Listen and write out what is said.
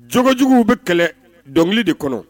Jojuguw bɛ kɛlɛ dɔnkili de kɔnɔ